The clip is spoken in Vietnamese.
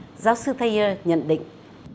giáo sư thay ơ nhận định